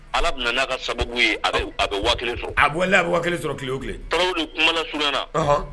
Ala donna n'a ka sababu ye a bɛ kelen sɔrɔ a bɛ ala a bɛ kelen sɔrɔ kiw kumaumana surun na